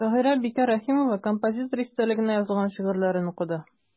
Шагыйрә Бикә Рәхимова композитор истәлегенә язылган шигырьләрен укыды.